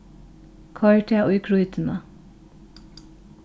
koyr tað í grýtuna